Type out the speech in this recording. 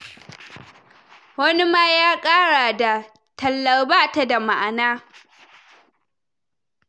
wani ma ya kara da: “Tallar bata da ma’ana.”